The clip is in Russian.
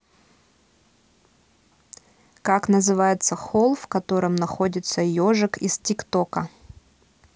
как называется hall в котором находится ежик из тик тока